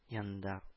Янында